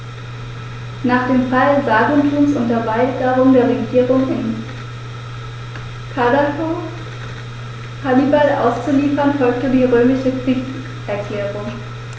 Nach dem Fall Saguntums und der Weigerung der Regierung in Karthago, Hannibal auszuliefern, folgte die römische Kriegserklärung.